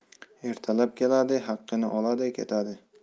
ertalab kelade haqqini olade ketade